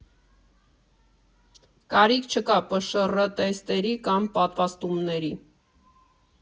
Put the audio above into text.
Կարիք չկա ՊՇՌ֊թեստերի կամ պատվաստումների։